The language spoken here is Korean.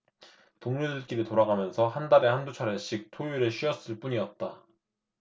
동료들끼리 돌아가면서 한 달에 한 두 차례씩 토요일에 쉬었을 뿐이었다